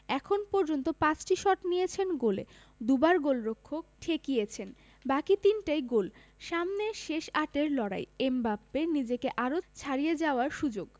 এখন পর্যন্ত ৫টি শট নিয়েছেন গোলে দুবার গোলরক্ষক ঠেকিয়েছেন বাকি তিনটাই গোল সামনে শেষ আটের লড়াই এমবাপ্পের নিজেকে আরও ছাড়িয়ে যাওয়ার সুযোগ